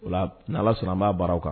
Ola ni' ala sɔrɔ an b'a baara kan